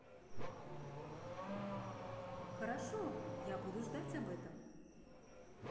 хорошо я буду ждать об этом